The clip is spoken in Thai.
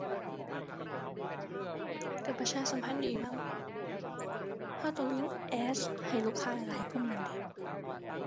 ก็ประชาสัมพันธ์ดีมั้ง ก็ต้องยิง ads ให้ลูกค้าหลายหลายกลุ่มนั่นเดะ